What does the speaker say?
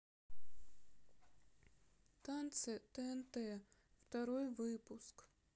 танцы тнт второй выпуск